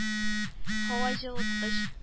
Һаваҗылыткыч